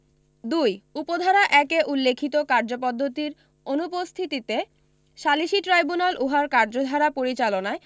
২ উপ ধারা ১ এ উল্লেখিত কার্যপদ্ধতির অনুপস্থিতিতে সালিসী ট্রাইব্যুনাল উহার কার্যধারা পরিচালনায়